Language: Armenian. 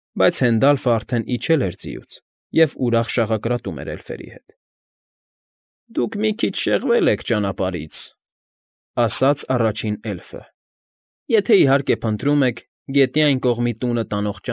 Բայց Հենդալֆն արդեն իջել էր ձիուց և ուրախ շաղակրատում էր էլֆերի հետ։ ֊ Դուք մի քիչ շեղվել եք ճանապարհից,֊ ասաց առաջին էլֆը,֊ եթե, իհարկե, փնտրում եք գետի այն կողմի տունը տանող։